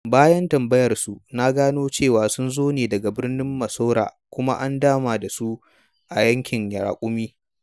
Bayan tambayar su, na gano cewa, sun zo ne daga birnin Mansoura kuma an dama da su a ''Yaƙin Raƙumi''